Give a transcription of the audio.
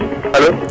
alo